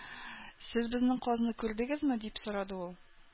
"сез безнең казны күрдегезме" дип сорады ул